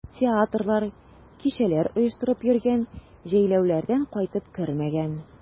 Театрлар, кичәләр оештырып йөргән, җәйләүләрдән кайтып кермәгән.